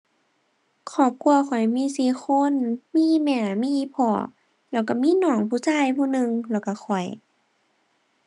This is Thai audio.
ครอบครัวข้อยมีสี่คน มีอีแม่ มีอีพ่อ แล้วก็มีน้องผู้ก็ผู้หนึ่ง แล้วก็ข้อย